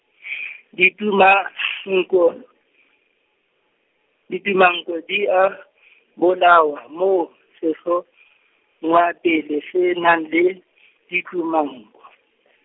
ditumanko, ditumanko di a, bolawa moo, sehlongwapele se nang le, ditumanko.